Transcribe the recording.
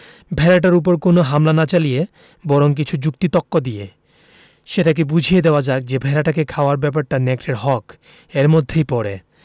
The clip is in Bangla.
ভেড়াটার উপর কোন হামলা না চালিয়ে বরং কিছু যুক্তি তক্ক দিয়ে সেটাকে বুঝিয়ে দেওয়া যাক যে ভেড়াটাকে খাওয়ার ব্যাপারটা নেকড়ের হক এর মধ্যেই পড়ে